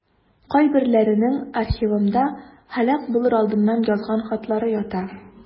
Кайберләренең архивымда һәлак булыр алдыннан язган хатлары ята.